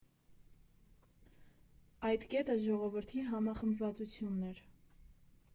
Այդ կետը ժողովրդի համախմբվածությունն էր։